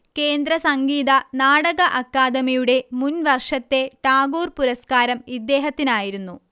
കേന്ദ്രസംഗീതനാടക അക്കാദമിയുടെ മുൻവർഷത്തെ ടാഗോർ പുരസ്കാരം ഇദ്ദേഹത്തിനായിരുന്നു